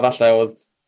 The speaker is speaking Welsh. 'falle o'dd